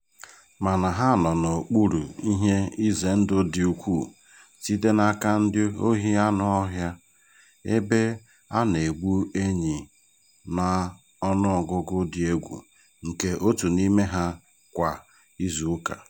Mana ha nọ n'okpuru ihe ize ndụ dị ukwuu site n'aka ndị ohi anụ ọhịa, ebe a na-egbu enyi n'ọnụọgụgụ dị egwu nke otu n'ime ha kwa izuụka